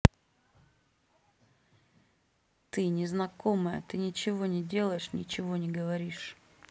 ты незнакомая ты ничего не делаешь ничего не говоришь